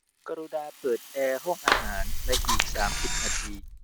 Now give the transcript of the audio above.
กรุณาเปิดแอร์ห้องอาหารในอีกสามสิบนาที